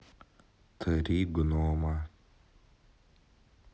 три гнома